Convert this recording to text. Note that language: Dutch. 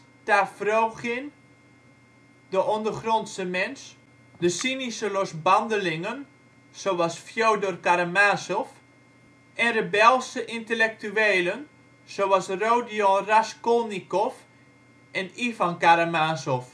Stavrogin, de Ondergrondse Mens), de cynische losbandelingen (zoals Fjodor Karamazov) en rebelse intellectuelen (Rodion Raskolnikov, Ivan Karamazov